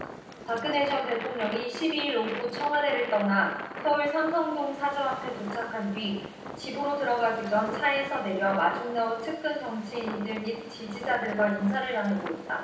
박근혜 전 대통령이 십 이 일 오후 청와대를 떠나 서울 삼성동 사저 앞에 도착한 뒤 집으로 들어가기 전 차에서 내려 마중 나온 측근 정치인들 및 지지자들과 인사를 나누고 있다